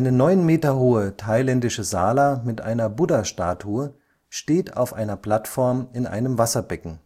neun Meter hohe thailändische Sala mit einer Buddha-Statue steht auf einer Plattform in einem Wasserbecken